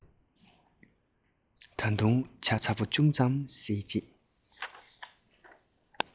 ད དུང ཇ ཚ པོ ཅུང ཙམ བསྲེས རྗེས